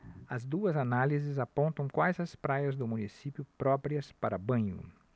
as duas análises apontam quais as praias do município próprias para banho